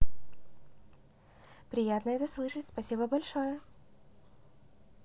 приятно это слышать спасибо большое